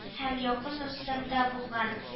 Һәм якын дустым да булган